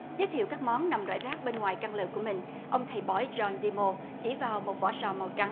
giới thiệu các món nằm rải rác bên ngoài căn lều của mình ông thầy bói gion di mô chỉ vào một vỏ sò màu trắng